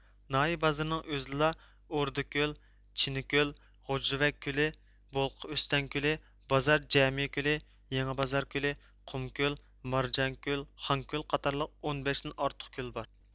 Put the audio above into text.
ناھىيە بازىرىنىڭ ئۆزىدىلا ئوردىكۆل چىنەكۆل غوجىۋەگ كۆلى بولقا ئۆستەڭ كۆلى بازار جەمى كۆلى يېڭى بازاركۆلى قۇمكۆل مارجانكۆل خانكۆل قاتارلىق ئون بەشتىن ئارتۇق كۆل بار